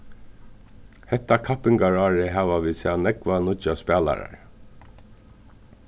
hetta kappingarárið hava vit sæð nógvar nýggjar spælarar